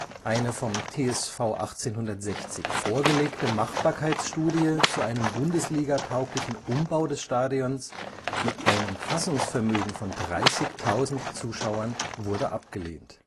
Eine vom TSV 1860 vorgelegte Machbarkeitsstudie zu einem bundesligatauglichen Umbau des Stadions mit einem Fassungsvermögen von 30.000 Zuschauern wurde abgelehnt